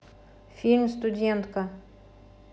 фильм студентка